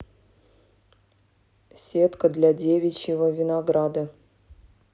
сетка для девичьего винограда